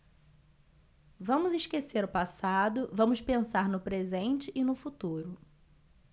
vamos esquecer o passado vamos pensar no presente e no futuro